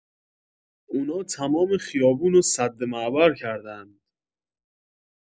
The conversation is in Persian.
اونا تمام خیابونو سدمعبر کردند